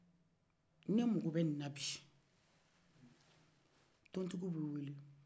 ne makɔ bɛ nina bi tɔntigiw bɛ wele